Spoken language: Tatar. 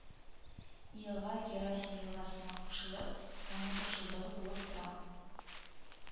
Елга Геросим елгасына кушылып, аның кушылдыгы булып тора